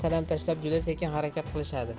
qadam tashlab juda sekin harakat qilishadi